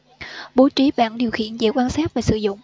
bố trí bảng điều khiển dễ quan sát và sử dụng